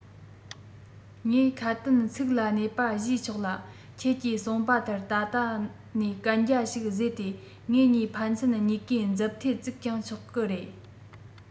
ངས ཁ དན ཚིག ལ གནས པ ཞུས ཆོག ལ ཁྱེད ཀྱིས གསུང པ ལྟར ད ལྟ ནས གན རྒྱ ཞིག བཟོས ཏེ ངེད གཉིས ཕན ཚུན གཉིས ཀའི མཛུབ ཐེལ བཙུགས ཀྱང ཆོག གི རེད